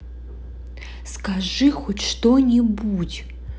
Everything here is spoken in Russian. скажи хоть что нибудь